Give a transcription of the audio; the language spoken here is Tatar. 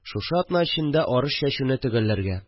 Шушы атна эчендә арыш чәчүне төгәлләргә